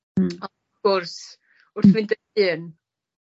Hmm. O' wrth gwrs, wrth fynd yn hŷn